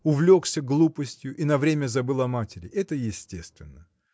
Увлекся глупостью и на время забыл о матери – это естественно